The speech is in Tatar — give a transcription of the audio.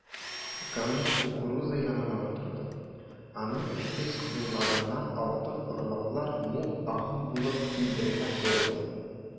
Ганна кукуруза янына утырды, аның җитез кулларыннан алтын орлыклар мул агым булып киндергә коелды.